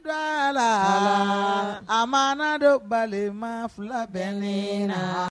Tila a ma dɔ bali ma fila bɛ le la